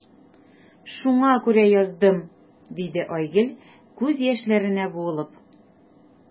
Шуңа күрә яздым,– диде Айгөл, күз яшьләренә буылып.